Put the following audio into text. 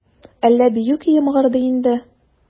Әллә бию көе мыгырдый инде?